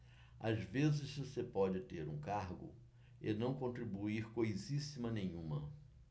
às vezes você pode ter um cargo e não contribuir coisíssima nenhuma